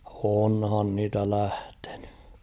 onhan niitä lähtenyt